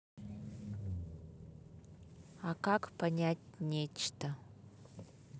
а как понять нечто